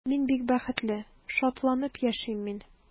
Мин бик бәхетле, шатланып яшим мин.